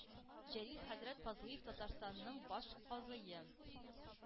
Җәлил хәзрәт Фазлыев, Татарстанның баш казые: